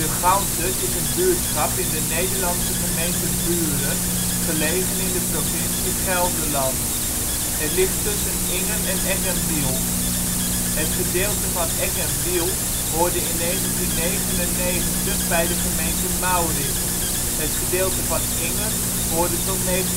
Ganzert is een buurtschap in de Nederlandse gemeente Buren, gelegen in de provincie Gelderland. Het ligt tussen Ingen en Eck en Wiel. Het gedeelte van Eck en Wiel hoorde tot 1999 bij de gemeente Maurik. Het gedeelte van Ingen hoorde tot 1999